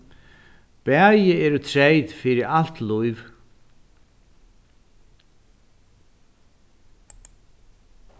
bæði eru treyt fyri alt lív